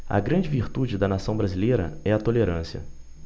a grande virtude da nação brasileira é a tolerância